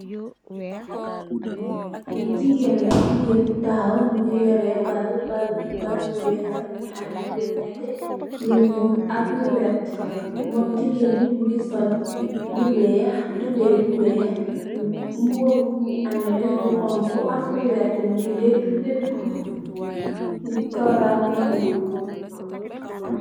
Li njegen la njegen bu tahaw mugi yoreh bal, bal bu wheh la mugi ameh lu neteh lu nyul ak lu werta mum njegen mingi sol lu wheh torbai bu wheh mbuba bi mugi améh lu khonkho ak lu werta mugi lettu, lettu kawarr bu nyul.